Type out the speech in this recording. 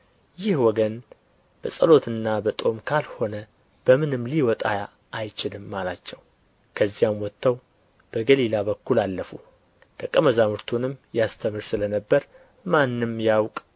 ይህ ወገን በጸሎትና በጦም ካልሆነ በምንም ሊወጣ አይችልም አላቸው ከዚያም ወጥተው በገሊላ በኩል አለፉ ደቀ መዛሙርቱንም ያስተምር ስለ ነበር ማንም ያውቅ